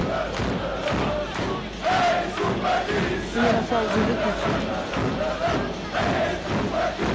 мне на паузу выключи